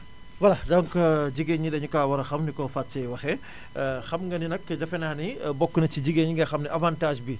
voilà donc jigéen ñi dañu kaa war a xam ni ko Fatou Seye waxee xam nga ni nag defe naa ni bokk na ci jigéen ñi nga xam ne avantage bi